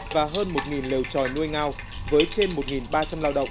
và hơn một nghìn lều chòi nuôi ngao với trên một nghìn ba trăm lao động